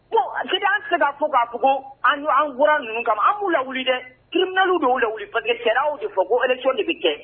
Ko an seginna ka fɔ k'a ko an ankura ninnu kama an b'u la wuli kɛ kima b'o la wuli fankɛ cayaw de fɔ koctigi tɛ